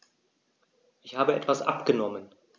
Ich habe etwas abgenommen.